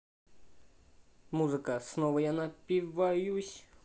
музыку снова я напиваюсь